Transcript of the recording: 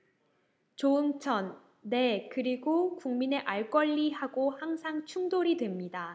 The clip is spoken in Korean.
조응천 네 그러고 국민의 알권리 하고 항상 충돌이 됩니다